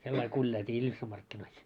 sillä lailla kuljailtiin Iljusan markkinoissa